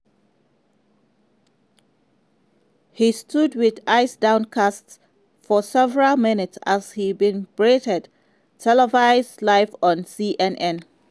He stood with eyes downcast for several minutes as he was berated, televised live on CNN.